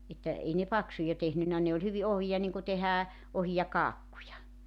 että ei ne paksuja tehnyt ne oli hyvin ohuita niin kuin tehdään ohuita kakkuja